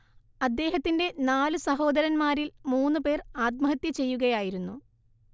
അദ്ദേഹത്തിന്റെ നാലു സഹോദരന്മാരിൽ മൂന്നുപേർ ആത്മഹത്യചെയ്യുകയായിരുന്നു